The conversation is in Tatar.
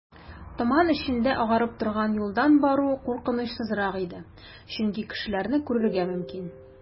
Томан эчендә агарып торган юлдан бару куркынычсызрак иде, чөнки кешеләрне күрергә мөмкин.